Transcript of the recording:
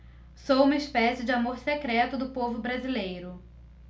sou uma espécie de amor secreto do povo brasileiro